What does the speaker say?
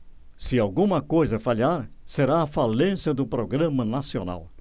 se alguma coisa falhar será a falência do programa nacional